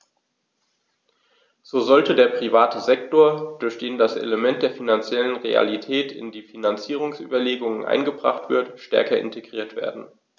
So sollte der private Sektor, durch den das Element der finanziellen Realität in die Finanzierungsüberlegungen eingebracht wird, stärker integriert werden.